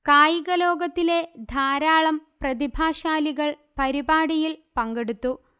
കായിക ലോകത്തിലെ ധാരാളം പ്രതിഭാശാലികൾ പരിപാടിയിൽ പങ്കെടുത്തു